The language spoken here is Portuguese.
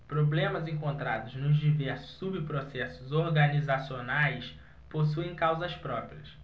problemas encontrados nos diversos subprocessos organizacionais possuem causas próprias